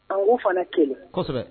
An k' fana kelen